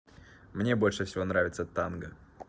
мне больше всего нравится танго